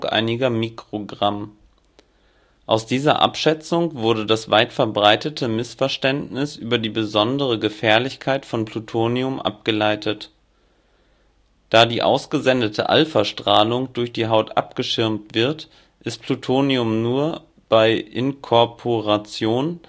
einiger Mikrogramm. Aus dieser Abschätzung wurde das weit verbreitete Missverständnis über die besondere Gefährlichkeit von Plutonium abgeleitet. Da die ausgesendete α-Strahlung durch die Haut abgeschirmt wird, ist Plutonium nur bei Inkorporation